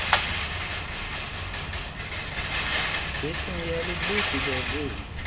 песня я люблю тебя жизнь